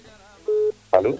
alo